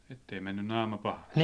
että ei mennyt naama pahaksi